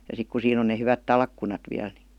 ja sitten kun siinä on ne hyvät talkkunat vielä niin